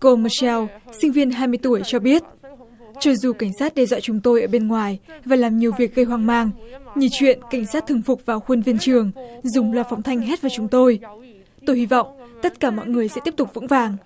cô ma sao cô sinh viên hai mươi tuổi cho biết chu du cảnh sát để dạy chúng tôi ở bên ngoài và làm nhiều việc gây hoang mang như chuyện cảnh sát thường phục vào khuôn viên trường dùng loa phóng thanh hét với chúng tôi tôi hy vọng tất cả mọi người sẽ tiếp tục vững vàng